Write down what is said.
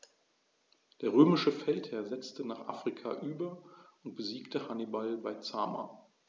Der römische Feldherr setzte nach Afrika über und besiegte Hannibal bei Zama.